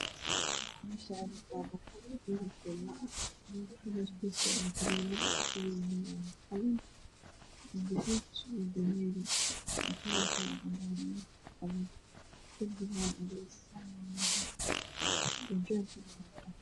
Meeshaani waa barxad guri fila ah guriga kalarkiisu waa mutuleel midabkoodu kala yahay qalin, gaduud iyo dameeri mutuleelga waa cadaan iyo qalin derbigana waa cadees albaabka waa qaxwi